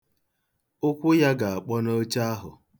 Ụkwụ ya ga-akpọ n'oche ahụ.